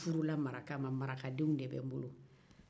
n furula maraka ma marakadenw de bɛ n bolo